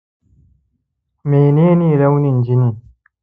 menene launin jinin